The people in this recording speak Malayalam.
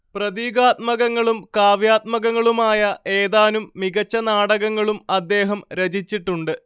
പ്രതീകാത്മകങ്ങളും കാവ്യാത്മകങ്ങളുമായ ഏതാനും മികച്ച നാടകങ്ങളും അദ്ദേഹം രചിച്ചിട്ടുണ്ട്